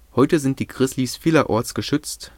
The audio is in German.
Heute sind die Grizzlys vielerorts geschützt